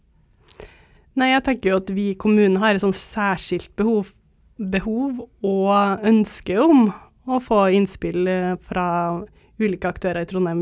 nei jeg tenker jo at vi i kommunen har et sånn særskilt behov behov og ønske om å få innspill fra ulike aktører i Trondheim.